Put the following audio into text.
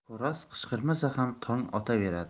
xo'roz qichqirmasa ham tong otaveradi